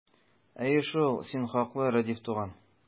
Әйе шул, син хаклы, Рәдиф туган!